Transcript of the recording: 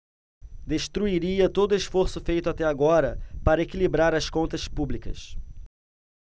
destruiria todo esforço feito até agora para equilibrar as contas públicas